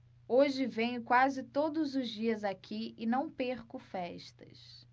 hoje venho quase todos os dias aqui e não perco festas